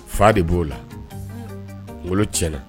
Fa de b'o la wolo tiɲɛna